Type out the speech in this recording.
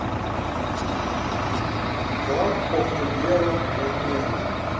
как похудела момент